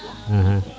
axa